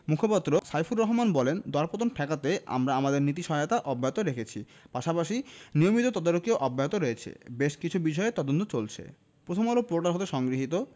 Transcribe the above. মুখপাত্র সাইফুর রহমান বলেন দরপতন ঠেকাতে আমরা আমাদের নীতি সহায়তা অব্যাহত রেখেছি পাশাপাশি নিয়মিত তদারকিও অব্যাহত রয়েছে বেশ কিছু বিষয়ে তদন্ত চলছে প্রথমআলো পোর্টাল হতে সংগৃহীত